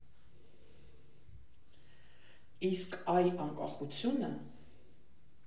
Իսկ այ անկախությունը…